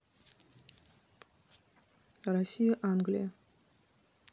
россия англия